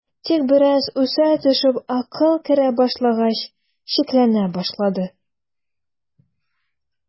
Тик бераз үсә төшеп акыл керә башлагач, шикләнә башлады.